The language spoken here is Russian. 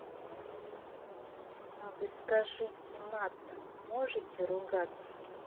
а вы скажите матом можете ругаться